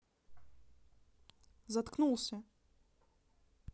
заткнулся